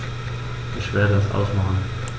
Ich werde es ausmachen